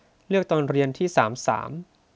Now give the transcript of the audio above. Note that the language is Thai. เลือกตอนเรียนที่สามสาม